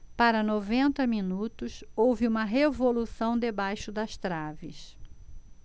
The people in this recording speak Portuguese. para noventa minutos houve uma revolução debaixo das traves